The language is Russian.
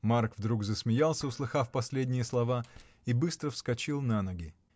Марк вдруг засмеялся, услыхав последние слова, и быстро вскочил на ноги.